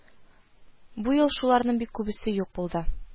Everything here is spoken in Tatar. Бу ел шуларның бик күбесе юк булды